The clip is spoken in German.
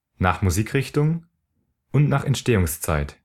Nach Musikrichtung Nach Entstehungszeit